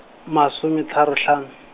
masometharo hlano.